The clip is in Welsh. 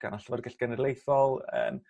gan y Llyfyrgell Genedlaethol yym